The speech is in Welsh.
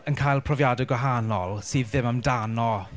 Yn cael profiadau gwahanol sydd ddim amdano...